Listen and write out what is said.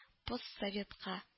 Поссоветка